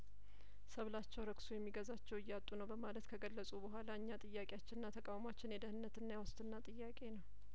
ሰብላቸው ረክሶ የሚገዛቸው እያጡ ነው በማለት ከገለጹ በኋላ እኛ ጥያቄያችንና ተቃውሟችን የደህንነትና የዋስትና ጥያቄ ነው